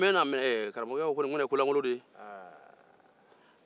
a mɛnna karamogokɛ ko nin kɔni ye ko lankolon de ye